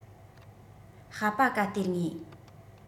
ཧ པ ཀ སྟེར ངེས